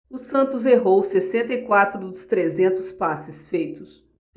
o santos errou sessenta e quatro dos trezentos passes feitos